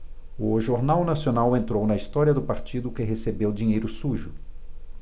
o jornal nacional entrou na história do partido que recebeu dinheiro sujo